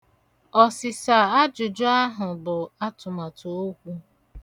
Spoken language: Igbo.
Ọsịsa ajụjụ ahụ bụ atụmatụokwu.